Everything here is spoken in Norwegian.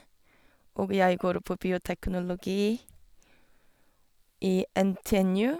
Og jeg går på bioteknologi i NTNU.